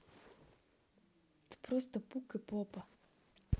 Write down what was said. ты просто пук и попа